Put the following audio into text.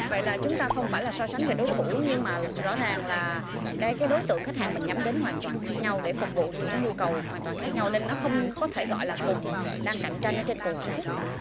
vậy là chúng ta không phải là so sánh về đối thủ nhưng mà rõ ràng là cái cái đối tượng khách hàng mình nhắm đến hoàn toàn khác nhau để phục vụ cho những nhu cầu hoàn toàn khác nhau nên nó không có thể gọi là cùng đang cạnh tranh ở trên cùng phân khúc